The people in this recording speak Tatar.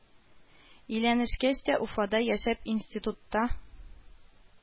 Өйләнешкәч тә уфада яшәп, институтта